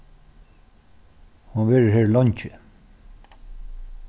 hon verður her leingi